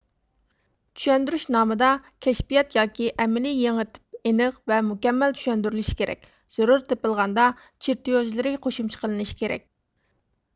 چۈشەندۈرۈشنامىدا كەشپىيات ياكى ئەمەلىي يېڭى تىپ ئېنىق ۋە مۇكەممەل چۈشەندۈرۈلۈشى كېرەك زۆرۈرتېپىلغاندا چېرتيۇژلىرى قوشۇمچە قىلىنىشى كېرەك